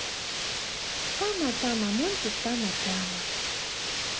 тама тама мультик тама тама